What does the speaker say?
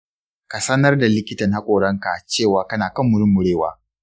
ka sanar da likitan haƙoranka cewa kana kan murmurewa.